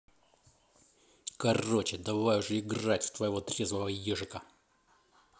короче давай уже играть в твоего трезвого ежика